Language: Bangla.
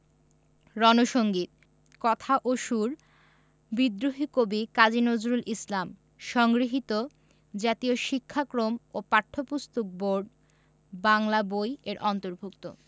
রন সঙ্গীত কথা ও সুর বিদ্রোহী কবি কাজী নজরুল ইসলাম সংগৃহীত জাতীয় শিক্ষাক্রম ও পাঠ্যপুস্তক বোর্ড বাংলা বই এর অন্তর্ভুক্ত